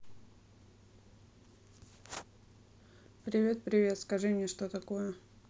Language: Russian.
привет привет скажи мне что такое